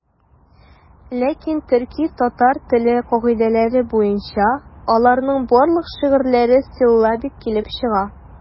Ләкин татар-төрки теле кагыйдәләре буенча аларның барлык шигырьләре силлабик килеп чыга.